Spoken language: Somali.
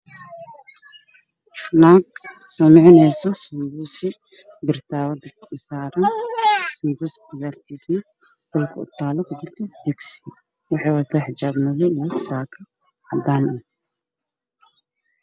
Naag ayaa sameyneyso khudaar sidoo kalena cajeero iyo waxay